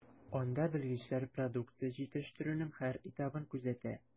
Анда белгечләр продукция җитештерүнең һәр этабын күзәтә.